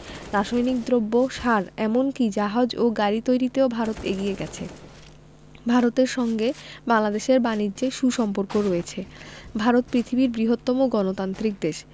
রাসায়নিক দ্রব্য সার এমন কি জাহাজ ও গাড়ি তৈরিতেও ভারত এগিয়ে গেছে ভারতের সঙ্গে বাংলাদেশের বানিজ্যে সু সম্পর্ক রয়েছে ভারত পৃথিবীর বৃহত্তম গণতান্ত্রিক দেশ